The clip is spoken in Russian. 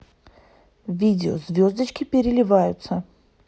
видео звездочки переливаются